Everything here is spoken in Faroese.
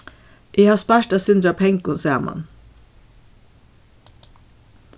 eg havi spart eitt sindur av pengum saman